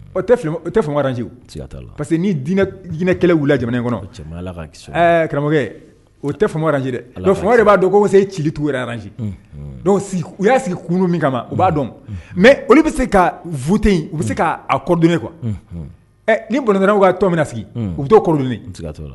Ɔ tɛ fangaranci parce que ni jinɛinɛkɛlaw wili jamana in kɔnɔ karamɔgɔkɛ o tɛ fangaranji dɔn fanga de b'a dɔn ko bɛ se ci tu yɛrɛ ranji dɔw u y'a sigi kun min kama u b'a dɔn mɛ olu bɛ se ka fut u bɛ se k kaa kɔdnen kuwa ɛ ni bɔnkɛw ka to min na sigi u bɛ taa kɔ